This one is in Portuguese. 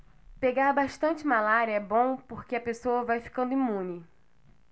pegar bastante malária é bom porque a pessoa vai ficando imune